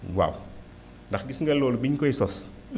waaw ndax gis nga loolu bi ñu koy sos